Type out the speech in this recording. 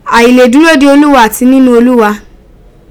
Ai le duro de Olowa ati ninu Oluwa.